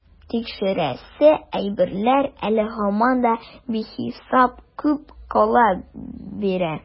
Тикшерәсе әйберләр әле һаман да бихисап күп кала бирә.